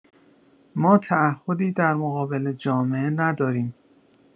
ما تعهدی در مقابل جامعه نداریم.